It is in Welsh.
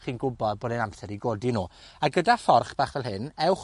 chi'n gwbod bod e'n amser i godi nw. A gyda fforch bach fel hyn, ewch